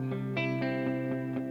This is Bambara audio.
Nse